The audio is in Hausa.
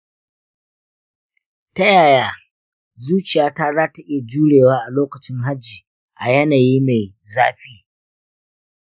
ta yaya zuciyata za ta iya jurewa a lokacin hajji a yanayi mai zafi?